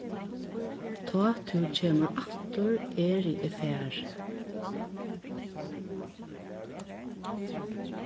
tá tú kemur aftur eri eg farin